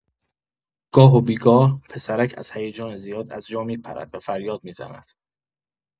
گاه و بی گاه، پسرک از هیجان زیاد از جا می‌پرد و فریاد می‌زند.